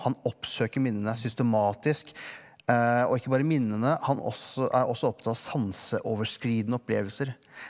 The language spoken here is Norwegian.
han oppsøker minnene systematisk og ikke bare minnene han er også opptatt av sanseoverskridende opplevelser.